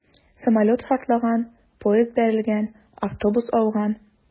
Самолет шартлаган, поезд бәрелгән, автобус ауган...